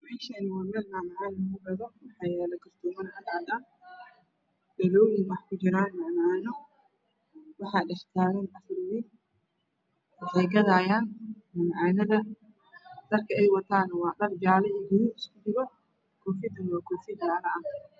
Meshani waa meel lagu gado mac macano waxaa yala kartoman cada cad dhalooyin ey ku jiran mac macano waxaa dhx tagan afar wiil wexey gadayan mac macanada dharka ugu jira waa jale iyo gaduud iskugu jira kofida waa jale